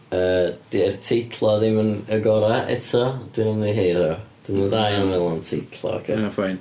Yy dydi yr teitlau ddim yn y gorau, eto dwi'n ymddiheuro. Dwi ddim yn dda iawn yn meddwl am teitlau ocê... Ma' hynna fine.